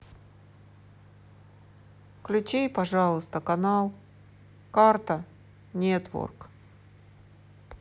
включи пожалуйста канал карта нетворк